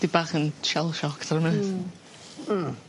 'dig bach yn shell shocked ar moment. Hmm. Hmm.